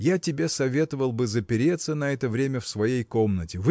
Я тебе советовал бы запереться на это время в своей комнате